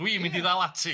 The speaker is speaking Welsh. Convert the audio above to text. Dwi'n mynd i ddal ati!